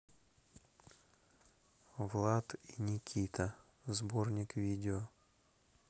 влад и никита сборник видео